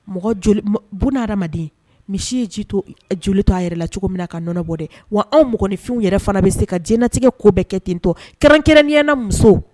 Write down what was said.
Mɔgɔ buna adamadamaden misi ye ji to joli to a yɛrɛ la cogo min na kaɔnɔbɔ dɛ wa anw mɔgɔninfinw yɛrɛ fana bɛ se ka diɲɛnatigɛ ko bɛɛ kɛ tentɔ kɛrɛnkɛrɛnyaɲɛna musow